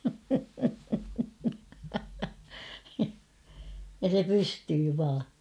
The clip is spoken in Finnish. ja se pystyy vain